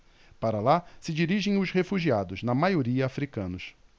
para lá se dirigem os refugiados na maioria hútus